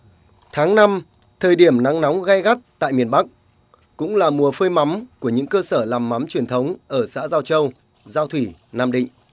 tháng năm thời điểm nắng nóng gay gắt tại miền bắc cũng là mùa phơi mắm của những cơ sở làm mắm truyền thống ở xã giao châu giao thủy nam định